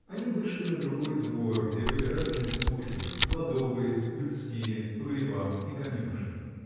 Они вышли на другой двор, где были разные службы, кладовые, людские, погреба и конюшни.